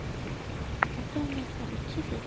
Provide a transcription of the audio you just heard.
ota onalarichi dedi